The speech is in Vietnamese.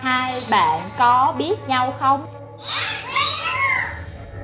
hai bạn có biết nhau không có tụi mình biết nhau